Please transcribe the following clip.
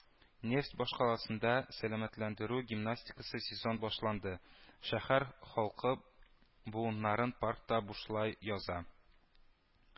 Нефть башкаласында сәламәтләндерү гимнастикасы сезоны башланды: шәһәр халкы буыннарын паркта бушлай яза